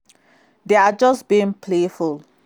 "They're just being playful.